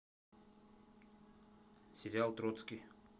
сериал троцкий